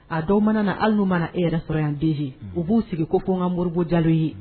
A dɔw mana na aw n'u mana e yɛrɛ sɔrɔ an bin u b'u sigi ko ko an ka moriurubugu jalo ye